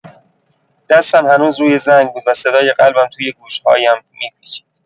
دستم هنوز روی زنگ بود و صدای قلبم توی گوش‌هایم می‌پیچید.